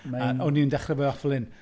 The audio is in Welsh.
A o'n i'n dechre fe off fel hyn...